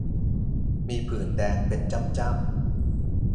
มีผื่นแดงเป็นจ้ำจ้ำ